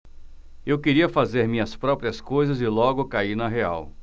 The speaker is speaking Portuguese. eu queria fazer minhas próprias coisas e logo caí na real